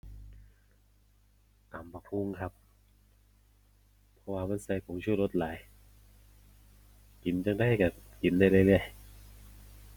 ตำบักหุ่งครับ เพราะว่ามันใส่ผงชูรสหลาย กินจั่งใดก็กินได้เรื่อยเรื่อย